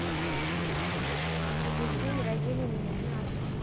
в этот день родили меня насморк